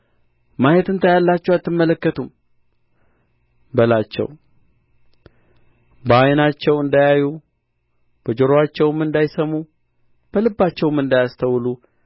ማየትንም ታያላችሁ አትመለከቱምም በላቸው በዓይናቸው እንዳያዩ በጆሮአቸውም እንዳይሰሙ በልባቸውም እንዳያስተውሉ